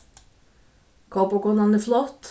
kópakonan er flott